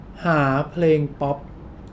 หาเพลงป๊อป